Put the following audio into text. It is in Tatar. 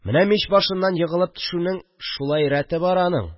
Менә мич башыннан егылып төшүнең шулай рәте бар аның